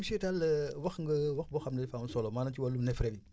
monsieur Tall wax nga wax boo xam ne dafa am solo maanaam ci wàllu neefare bi